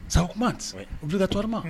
Sakuma bi katɔma